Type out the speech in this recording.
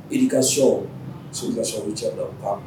I i ka so sugu ka so cɛ'